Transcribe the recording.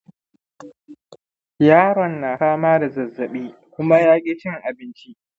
yaron na fama da zazzabi kuma ya ki cin abinci